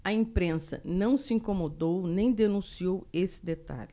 a imprensa não se incomodou nem denunciou esse detalhe